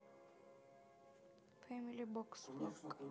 фэмили бокс влог